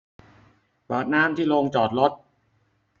เปิดน้ำที่โรงจอดรถ